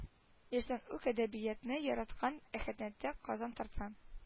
Яшьтән үк әдәбиятны яраткан әхәнәтне казан тарта